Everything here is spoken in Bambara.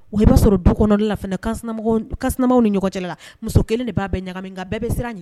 O i b'a sɔrɔ don kɔnɔli lama ni ɲɔgɔn cɛ la muso kelen de b'a bɛ ɲami bɛɛ bɛ siran